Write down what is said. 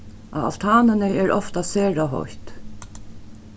á altanini er ofta sera heitt